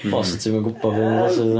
O, so ti'm yn gwbod be oedd o blasu fatha?